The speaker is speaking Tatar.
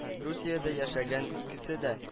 Русиядә яшәгән, икесе дә